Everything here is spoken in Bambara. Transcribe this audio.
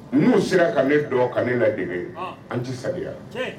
N'u sera ka ne dɔn ka ne na dege an tɛ sariyaya